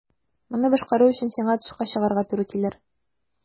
Моны башкару өчен сиңа тышка чыгарга туры килер.